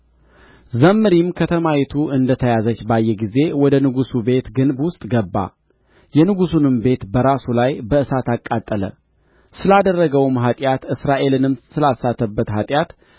ዘምሪም ከተማይቱ እንደ ተያዘች ባየ ጊዜ ወደ ንጉሡ ቤት ግንብ ውስጥ ገባ የንጉሡንም ቤት በራሱ ላይ በእሳት አቃጠለ ስላደረገውም ኃጢአት እስራኤልንም ስላሳተበት ኃጢአት